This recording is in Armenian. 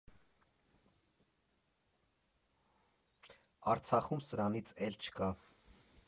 Արցախում սրանից էլ չկա։